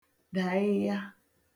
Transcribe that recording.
dàịya